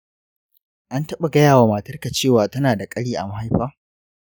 an taɓa gaya wa matarka cewa tana da ƙari a mahaifa?